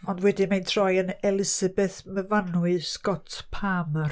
Ond wedyn mae'n troi yn Elizabeth Myfanwy Scott Palmer.